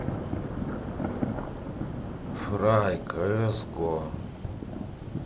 фрай кс го